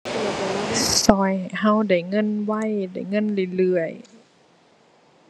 ช่วยให้ช่วยได้เงินไว ได้เงินเรื่อยเรื่อย